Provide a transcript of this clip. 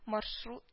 Маршрут